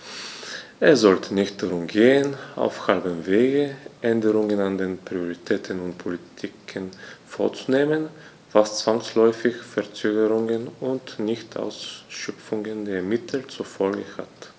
Es sollte nicht darum gehen, auf halbem Wege Änderungen an den Prioritäten und Politiken vorzunehmen, was zwangsläufig Verzögerungen und Nichtausschöpfung der Mittel zur Folge hat.